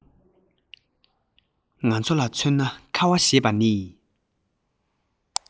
ང ཚོ ལ མཚོན ན ཁ བ ཞེས པ ནི